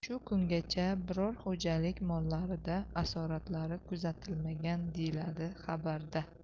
shu kungacha biror xo'jalik mollarida asoratlari kuzatilmagan deyiladi xabarda